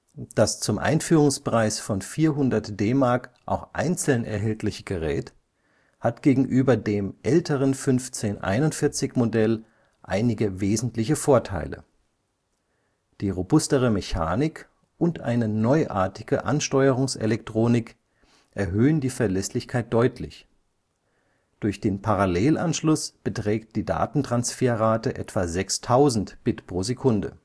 Das zum Einführungspreis von 400 DM auch einzeln erhältliche Gerät hat gegenüber dem älteren 1541-Modell einige wesentliche Vorteile: Die robustere Mechanik und eine neuartige Ansteuerungselektronik erhöhen die Verlässlichkeit deutlich, durch den Parallelanschluss beträgt die Datentransferrate etwa 6000 Bit/s. Der